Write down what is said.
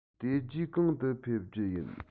དེ རྗེས གང དུ ཕེབས རྒྱུ ཡིན